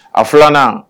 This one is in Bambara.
A filan